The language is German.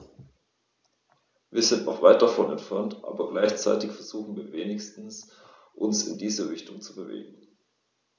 Wir sind noch weit davon entfernt, aber gleichzeitig versuchen wir wenigstens, uns in diese Richtung zu bewegen.